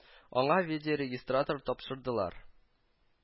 Аңа видеорегистратор тапшырдылар